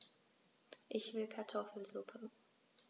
Ich will Kartoffelsuppe.